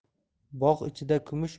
bog' ichida kumush